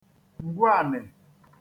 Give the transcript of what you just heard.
ngwuànị̀